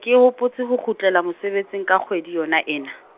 ke hopotse ho kgutlela mosebetsing ka kgwedi yona ena.